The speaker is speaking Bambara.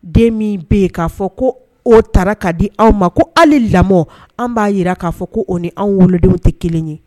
Den min bɛ yen k'a fɔ ko o taara k kaa di aw ma ko hali lamɔ an b'a jira k'a fɔ ko o ni an wolodenw tɛ kelen ye